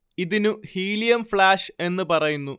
ഇതിനു helium flash എന്നു പറയുന്നു